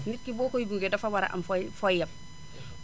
nit ki boo koy gunge dafa war a am fooy fooy yem